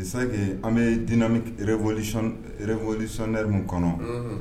Sake an bɛ dimiɛw kɔnɔ